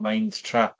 Mind Trap.